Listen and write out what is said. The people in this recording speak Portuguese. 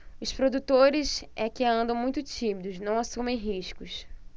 os produtores é que andam muito tímidos não assumem riscos